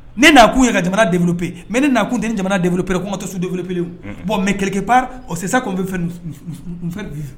Ne n'a kunu ye ka jamana denp pe mɛ ne na kun tɛ ni jamana denp pe ko nma tɛ so dep pe bɔn mɛ kekɛ pan o sisan kun